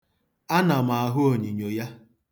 Ana m ahụ onyinyo ya.